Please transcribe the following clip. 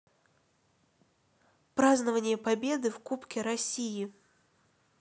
празднование победы в кубке россии